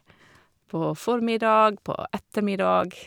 På formiddag, på ettermiddag.